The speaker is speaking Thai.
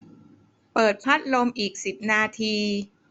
เปิดพัดลมอีกสิบนาที